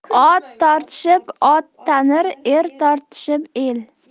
ot tortishib ot tanir er tortishib el